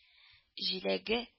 Җиләге-